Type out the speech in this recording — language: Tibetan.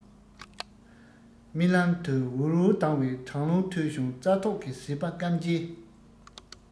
རྨི ལམ དུ འུར འུར ལྡང བའི གྲང རླུང ཐོས བྱུང རྩྭ ཐོག གི ཟིལ བ བསྐམས རྗེས